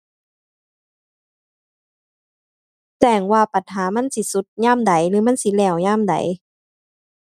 แจ้งว่าปัญหามันสิสุดยามใดหรือมันสิแล้วยามใด